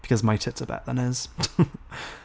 because my tits are better than his.